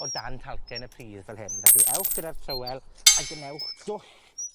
o dan talcen y pridd fel hyn. Felly, ewch gyda'r trywel a gwnewch dwll